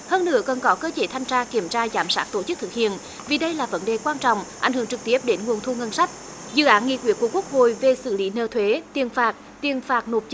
hơn nữa cần có cơ chế thanh tra kiểm tra giám sát tổ chức thực hiện vì đây là vấn đề quan trọng ảnh hưởng trực tiếp đến nguồn thu ngân sách dự án nghị quyết của quốc hội về xử lý nợ thuế tiền phạt tiền phạt nộp